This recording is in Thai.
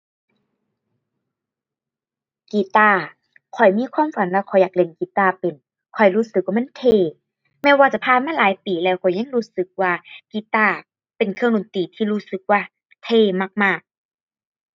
กีตาร์ ข้อยมีความฝันว่าข้อยอยากเล่นกีตาร์เป็น ข้อยรู้สึกว่ามันเท่ แม้ว่าจะผ่านมาหลายปีแล้วข้อยยังรู้สึกว่ากีตาร์เป็นเครื่องดนตรีที่รู้สึกว่าเท่มากมาก